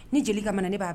Ni jeli ka ma ne b'